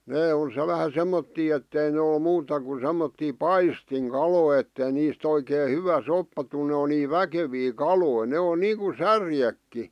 ne on - vähän semmoisia että ei ne ole muuta kuin semmoisia paistinkaloja että ei niistä oikein hyvä soppa tule ne on niin väkeviä kaloja ne on niin kuin särjetkin